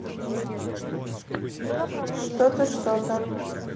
что то что что